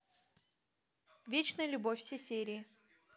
вечная любовь все серии